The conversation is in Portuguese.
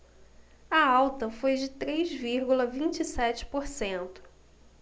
a alta foi de três vírgula vinte e sete por cento